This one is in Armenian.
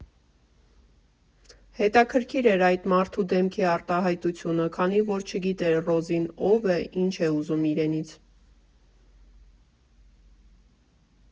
Հետաքրքիր էր այդ մարդու դեմքի արտահայտությունը, քանի որ չգիտեր Ռոզին ո՞վ է, ի՞նչ է ուզում իրենից։